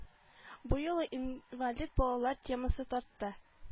Бу юлы инвалид балалар темасы тартты